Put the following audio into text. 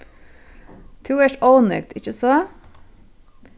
tú ert ónøgd ikki so